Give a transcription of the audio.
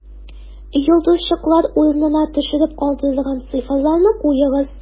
Йолдызчыклар урынына төшереп калдырылган цифрларны куегыз: